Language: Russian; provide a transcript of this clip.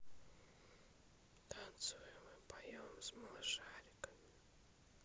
танцуем и поем с малышариками